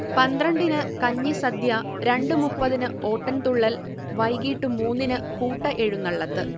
പന്ത്രണ്ടിന് കഞ്ഞിസദ്യ, രണ്ട് മുപ്പതിന് ഓട്ടൻതുള്ളൽ, വൈകീട്ട് മൂന്നിന് കൂട്ടഎഴുന്നള്ളത്ത്